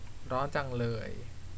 ร้อนจังเลย